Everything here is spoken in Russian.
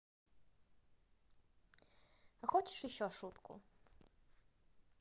а хочешь еще шутку